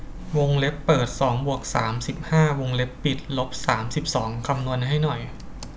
วงเล็บเปิดสองบวกสามสิบห้าวงเล็บปิดลบสามสิบสองคำนวณให้หน่อย